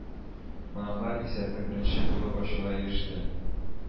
Кунаклар исәпне беренче булып ачуга иреште